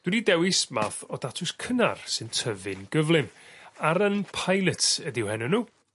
Dwi 'di dewis math o datws cynnar sy'n tyfu'n gyflym Arran Pilots ydyw henw n'w.